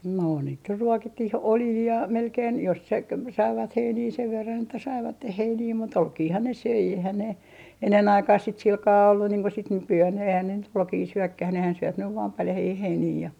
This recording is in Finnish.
no niitä nyt ruokittiin oljilla ja melkein jos se - saivat heiniä sen verran että saivat heiniä mutta olkiahan ne söi eihän ne ennen aikaan sitten sillä kalella ollut niin kuin sitten nykyään eihän ne nyt ruokia syökään nehän syö nyt vain paljaita heiniä ja